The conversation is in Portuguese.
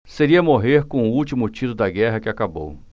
seria morrer com o último tiro da guerra que acabou